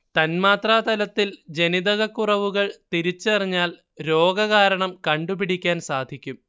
തന്മാത്രാതലത്തിൽ ജനിതക കുറവുകൾ തിരിച്ചറിഞ്ഞാൽ രോഗകാരണം കണ്ടുപിടിക്കാൻ സാധിക്കും